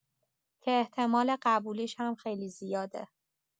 که احتمال قبولیش هم خیلی زیاده